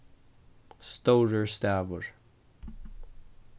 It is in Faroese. stórur stavur